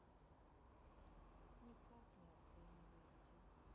никак не оцениваете